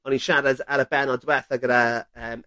O'n i'n siarad ar y bennod dwetha gyda yym...